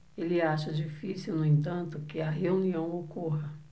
ele acha difícil no entanto que a reunião ocorra